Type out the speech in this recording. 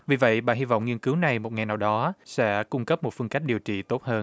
vì vậy bà hi vọng nghiên cứu này một ngày nào đó sẽ cung cấp một phương cách điều trị tốt hơn